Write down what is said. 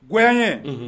G ye